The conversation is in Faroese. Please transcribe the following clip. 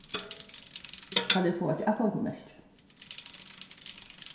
kann eg fáa eitt atgongumerki